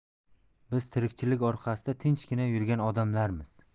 biz tirikchilik orqasida tinchgina yurgan odamlarmiz